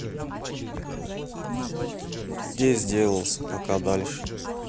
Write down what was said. где сделался пока дальше